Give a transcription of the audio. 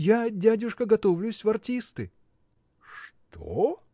— Я, дядюшка, готовлюсь в артисты. — Что-о?